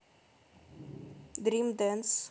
дрим дэнс